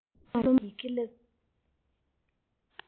སློབ མར ཡི གེ བསླབ